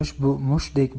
turmush bu mushtdek